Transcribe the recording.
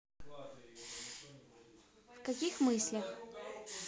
в каких мыслях